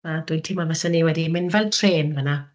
Na? Dwi'n teimlo fel 'sen i wedi mynd fel trên fanna.